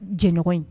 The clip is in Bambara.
Diɲɛɲɔgɔn in